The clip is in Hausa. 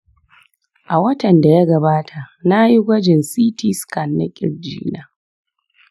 a watan da ya gabata na yi gwajin ct scan na ƙirjina.